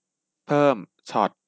เพิ่มช็อต